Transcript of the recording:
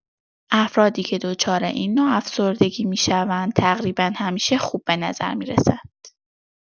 افرادی که دچار این نوع افسردگی می‌شوند تقریبا همیشه خوب به نظر می‌رسند.